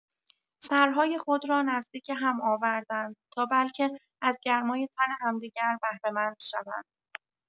سرهای خود را نزدیک هم آوردند تا بلکه از گرمای تن همدیگر بهره‌مند شوند.